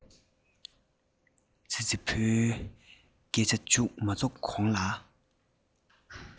ཙི ཙི ཕོའི སྐད ཆ མཇུག མ རྫོགས གོང ལ